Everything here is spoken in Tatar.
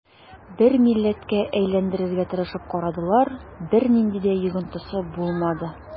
Бер милләткә әйләндерергә тырышып карадылар, бернинди дә йогынтысы булмады.